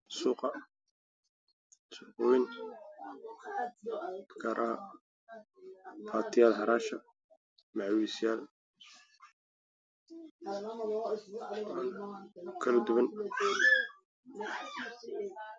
Waa suuqa wayn ee bakaaraha